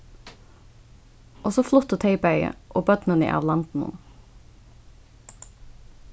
og so fluttu tey bæði og børnini av landinum